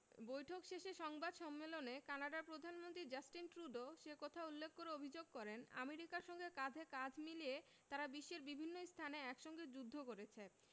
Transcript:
বৈঠক শেষে সংবাদ সম্মেলনে কানাডার প্রধানমন্ত্রী জাস্টিন ট্রুডো সে কথা উল্লেখ করে অভিযোগ করেন আমেরিকার সঙ্গে কাঁধে কাঁধ মিলিয়ে তারা বিশ্বের বিভিন্ন স্থানে একসঙ্গে যুদ্ধ করেছে